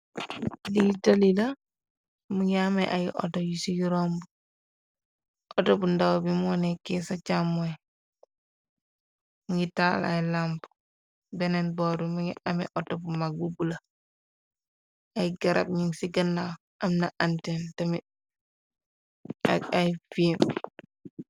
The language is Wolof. Lee tali la mu ngi ame ay auto yu ciy rombu auto bu ndaw bi moo nekkee ca chamung ngi taal ay lampu beneen booru mi ngi ame auto bu mag bu bula ay garab ñun se gënnaw am na anten tamin ak ay fele.